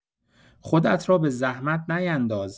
خودت را به زحمت نینداز.